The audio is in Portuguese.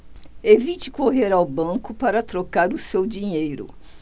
evite correr ao banco para trocar o seu dinheiro